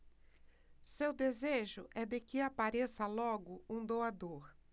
seu desejo é de que apareça logo um doador